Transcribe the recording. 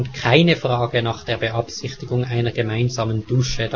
keine Frage nach der Beabsichtigung einer gemeinsamen Dusche